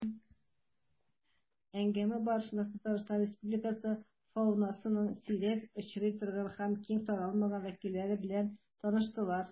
Әңгәмә барышында Татарстан Республикасы фаунасының сирәк очрый торган һәм киң таралмаган вәкилләре белән таныштылар.